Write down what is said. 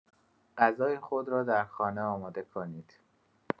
غذای خود را در خانه آماده کنید.